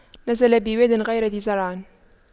نزل بواد غير ذي زرع